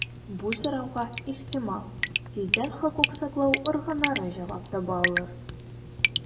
Бу сорауга, ихтимал, тиздән хокук саклау органнары җавап таба алыр.